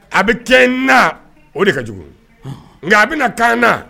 A bɛ cɛ in na o de ka jugu nka a bɛna na tan na